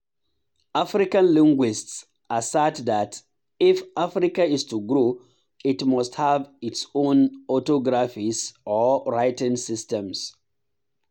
African linguists assert that if Africa is to grow, it must have its own orthographies or writing systems.